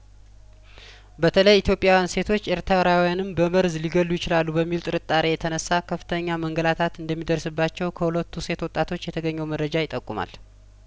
በተለይ ኢትዮጵያውያን ሴቶች ኤርትራውያንን በመርዝ ሊገሉ ይችላሉ በሚል ጥርጣሬ የተነሳ ከፍተኛ መንገላታት እንደሚደርስባቸው ከሁለቱ ሴት ወጣቶች የተገኘው መረጃ ይጠቁማል